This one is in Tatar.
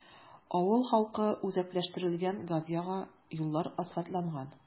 Авыл халкы үзәкләштерелгән газ яга, юллар асфальтланган.